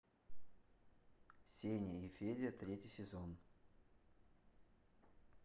сеня и федя третий сезон